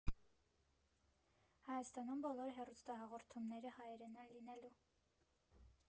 Հայաստանում բոլոր հեռուստահաղորդումները հայերեն են լինելու։